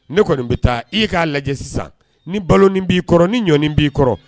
Ne kɔni bɛ taa i k'a lajɛ sisan ni balo nin b'i kɔrɔ ni ɲɔɔni b'i kɔrɔ